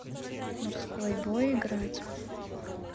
морской бой играть